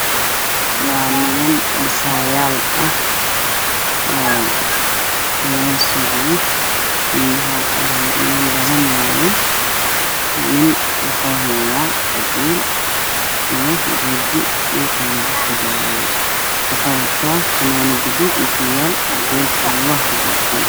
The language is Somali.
Waa niman dhisayaal ah oo meel socdo Niman badan waaye nin wuxuu hayaa qadiil iyo geedi Dhulka lagu qodayay wuxuu wataa fanaanad guduud iyo surwaal cadees